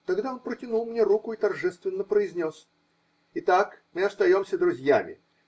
Тогда он протянул мне руку и торжественно произнес: -- Итак: мы остаемся друзьями